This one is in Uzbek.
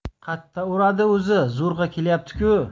qatta uradi o'zi zo'rg'a kelyapti ku